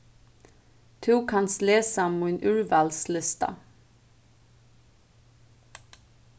tú kanst lesa mín úrvalslista